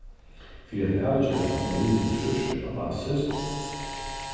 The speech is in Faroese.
fyri at avgera um eitt mýl er súrt ella basiskt